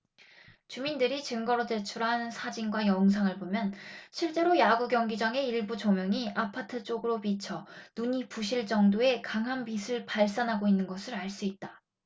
주민들이 증거로 제출한 사진과 영상을 보면 실제로 야구경기장의 일부 조명이 아파트 쪽으로 비쳐 눈이 부실 정도의 강한 빛을 발산하고 있는 것을 알 수 있다